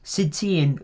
Sut ti'n?